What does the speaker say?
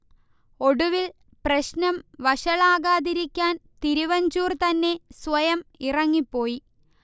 ഒടുവിൽ പ്രശ്നം വഷളാകാതിക്കാൻ തിരുവഞ്ചൂർ തന്നെ സ്വയം ഇറങ്ങി പോയി